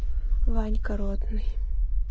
ванька ротный